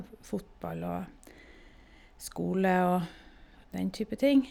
f Fotball og skole og den type ting.